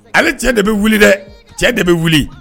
Ale cɛ de bi wuli dɛ ! Cɛ de bi wuli.